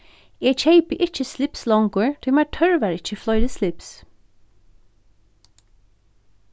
eg keypi ikki slips longur tí mær tørvar ikki fleiri slips